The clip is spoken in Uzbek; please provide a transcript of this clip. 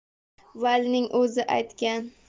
valining o'zi aytgan